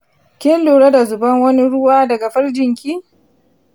kin lura da zuban wani ruwa da ga farjin ki?